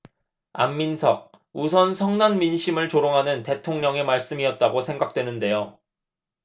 안민석 우선 성난 민심을 조롱하는 대통령의 말씀이었다고 생각 되는데요